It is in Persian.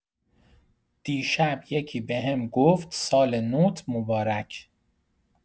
دیشب یکی بهم گفت سال نوت مبارک!